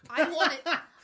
I want him.